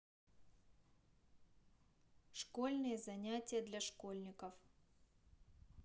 школьные занятия для школьников